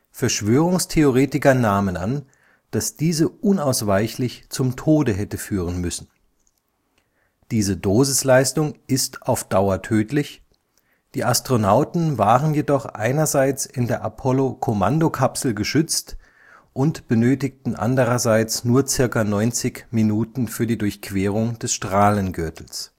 Verschwörungstheoretiker nahmen an, dass diese unausweichlich zum Tode hätte führen müssen. Diese Dosisleistung ist auf Dauer tödlich, die Astronauten waren jedoch einerseits in der Apollo-Kommandokapsel geschützt und benötigten andererseits nur circa 90 Minuten für die Durchquerung des Strahlengürtels